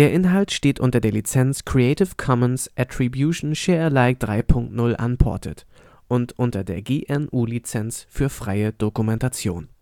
Inhalt steht unter der Lizenz Creative Commons Attribution Share Alike 3 Punkt 0 Unported und unter der GNU Lizenz für freie Dokumentation